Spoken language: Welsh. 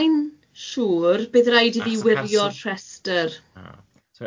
Sai'n shŵr, bydd raid i fi wirio'r rhestyr.